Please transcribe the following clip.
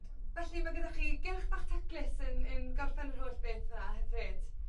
Felly ma' gyda chi gylch bach taclus yn yn gorffen yr holl beth fel 'a hefyd.